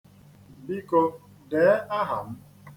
Biko, dee aha m.